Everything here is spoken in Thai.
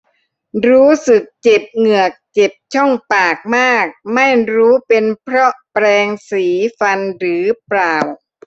รู้สึกเจ็บเหงือกเจ็บช่องปากมากไม่รู้เป็นเพราะแปรงสีฟันหรือเปล่า